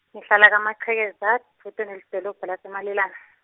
ngihlala Kamachekeza edvute nelidolobha laseMalalane.